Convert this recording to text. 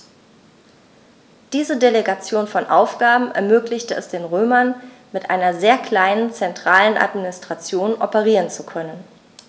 Diese Delegation von Aufgaben ermöglichte es den Römern, mit einer sehr kleinen zentralen Administration operieren zu können.